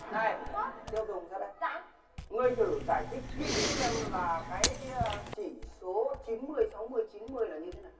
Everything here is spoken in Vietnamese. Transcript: này tiêu dùng ra đây ngươi thử giải thích kỹ xem là cái chỉ số chín mươi sáu mươi chín mươi là như thế nào